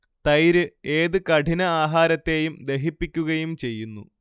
തൈര് ഏത് കഠിന ആഹാരത്തെയും ദഹിപ്പിക്കുകയും ചെയ്യുന്നു